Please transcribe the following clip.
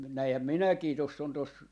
- näinhän minäkin tuossa on tuossa